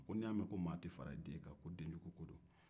ko ni i y'a ye ko mɔgɔ tɛ fara i den kan ko denjugu ko do